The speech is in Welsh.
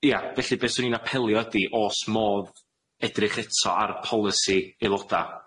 Ia, felly be' swn i'n apelio ydi o's modd edrych eto ar y polisi aeloda'?